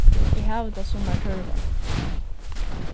eg havi tað sum mær tørvar